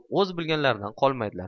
o'z bilganlaridan qolmaydilar